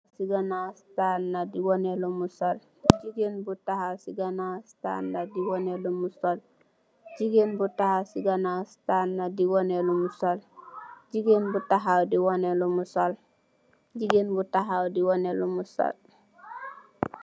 Gigeen bu taxaw di waneh lum sol.